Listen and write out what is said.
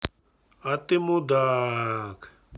а ты мудак